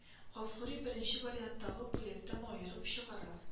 Гафури беренче варианттагы бүлектән аерып чыгара